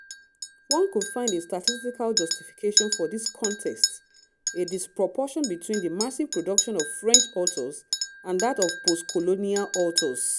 One could find a statistical justification for this context: a disproportion between the massive production of French authors and that of post-colonial authors.